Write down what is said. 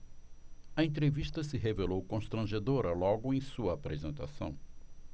a entrevista se revelou constrangedora logo em sua apresentação